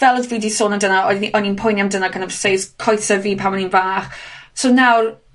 fel odd fi 'di sôn amdano, oed ni... o'n i'n poeni amdano kind of size coese fi pan o'n i'n fach. So nawr...